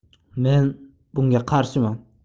men bunga qarshiman